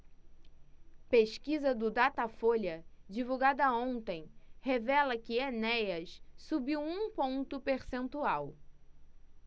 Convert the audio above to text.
pesquisa do datafolha divulgada ontem revela que enéas subiu um ponto percentual